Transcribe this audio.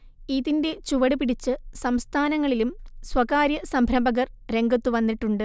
ഇതിന്റെ ചുവടുപിടിച്ച് സംസ്ഥാനങ്ങളിലും സ്വകാര്യ സംരംഭകർ രംഗത്തു വന്നിട്ടുണ്ട്